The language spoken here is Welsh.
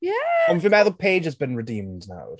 Ie!... Ond fi'n meddwl Paige has been redeemed nawr.